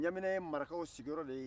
ɲamina ye marakaw sigi yɔrɔw de ye